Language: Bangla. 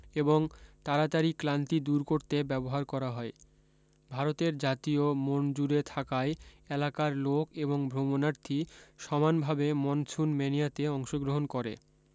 এবং তাড়াতাড়ি ক্লান্তি দূর করতে ব্যবহার করা হয় ভারতের জাতীয় মন জুড়ে থাকায় এলাকার লোক এবং ভ্রমণার্থী সমানভাবে মনসুন ম্যানিয়াতে অংশগ্রহণ করে